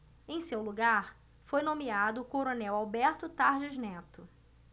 em seu lugar foi nomeado o coronel alberto tarjas neto